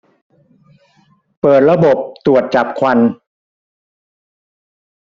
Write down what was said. เปิดระบบตรวจจับควัน